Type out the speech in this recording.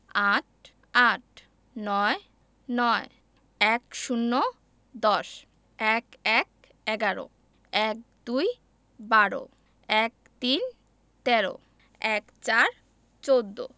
৮ - আট ৯ - নয় ১০ – দশ ১১ - এগারো ১২ - বারো ১৩ - তেরো ১৪ - চৌদ্দ